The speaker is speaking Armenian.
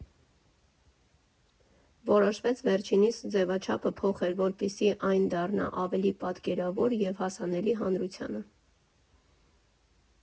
Որոշվեց վերջինիս ձևաչափը փոխել, որպեսզի այն դառնա ավելի պատկերավոր և հասանելի հանրությանը։